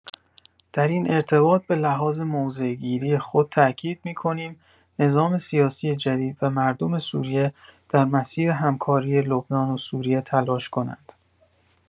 در این ارتباط به لحاظ موضع‌گیری خود تاکید می‌کنیم نظام سیاسی جدید و مردم سوریه در مسیر همکاری لبنان و سوریه تلاش کنند.